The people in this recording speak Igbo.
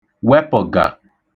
wepə̣gà